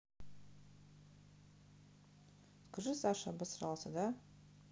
скажи саша обосрался да